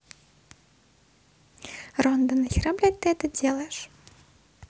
рондо нахера блять ты это делаешь